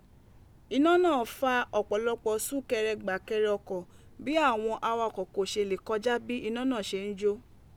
Iná náà fa ọ̀pọ̀lọpọ̀ súnkẹrẹ gbàkẹrẹ ọkọ̀ bí àwọn awakọ̀ kò ṣelè kọjá bí iná náà ṣe ńjó.